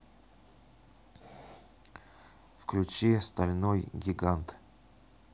включи стальной гигант